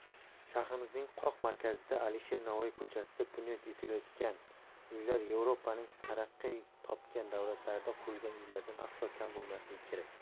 shahrimizning qoq markazida alisher navoiy ko'chasida bunyod etilayotgan uylar yevropaning taraqqiy topgan davlatlarida qurilgan uylardan aslo kam bo'lmasligi kerak